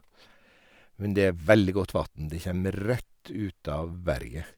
Men det er veldig godt vatn, det kjem rett ut av berget.